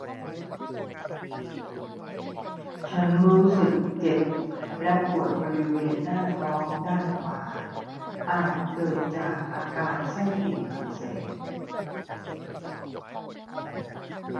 ฉันรู้สึกเจ็บและปวดบริเวณหน้าท้องด้านขวาอาจเกิดจากอาการไส้ติ่งอักเสบ